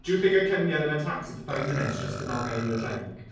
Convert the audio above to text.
Do you think I come here in a taxi for five minutes just to not get you a drink?